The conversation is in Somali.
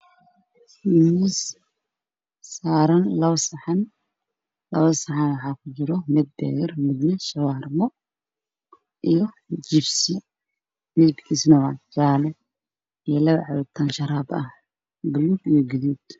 Waa saxan cadaan waxaa ku jira barando midabkeedu yahay jaalo iyo koob bluug